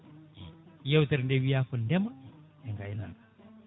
yewtere nde wiiya ko ndeema e gaynaka